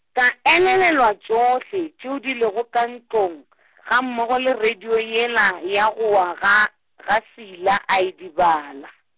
ka elelelwa tšohle tšeo di lego ka ntlong , gammogo le radio yela ya go wa ga, ga Seila a idibala.